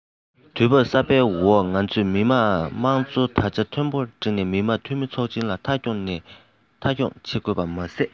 དུས བབ གསར པའི འོག ང ཚོས མི དམངས དམངས གཙོའི དར ཆ མཐོན པོར བསྒྲེངས ནས མི དམངས འཐུས མི ཚོགས ཆེན གྱི མཐའ འཁྱོངས བྱེད དགོས པ མ ཟད